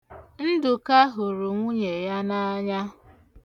Nduka hụrụ nwunye ya n'anya.